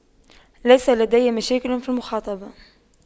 ليس لدي مشاكل في المخاطبة